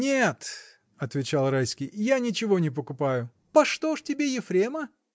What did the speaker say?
— Нет, — отвечал Райский, — я ничего не покупаю. — Почто ж тебе Ефрема?